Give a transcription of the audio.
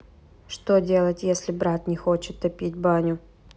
что делать если брат не хочет топить баню